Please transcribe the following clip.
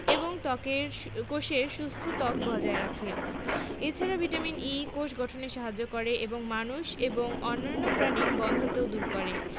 এবং কোষের সুস্থ ত্বক বজায় রাখে এ ছাড়া ভিটামিন E কোষ গঠনে সাহায্য করে এবং মানুষ এবং অন্যান্য প্রাণীর বন্ধ্যাত্ব দূর করে